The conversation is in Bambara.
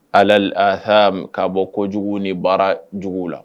H ka bɔ jugu ni baara jugu la